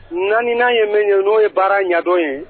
Naani n'a ye mɛn ye n'o ye baara ɲɛdɔn ye